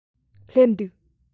སླེབས འདུག